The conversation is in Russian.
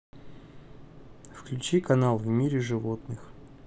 включи канал в мире животных